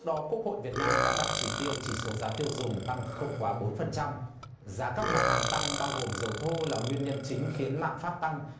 đó quốc hội việt nam đã đặt chỉ tiêu chỉ số giá tiêu dùng tăng không quá bốn phần trăm giá các mặt hàng tăng bao gồm dầu thô là nguyên nhân chính khiến lạm phát tăng